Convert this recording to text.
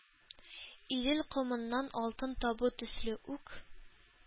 Идел комыннан алтын табу төсле үк